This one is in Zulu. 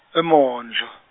eMondlo.